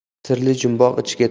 sirli jumboq ichiga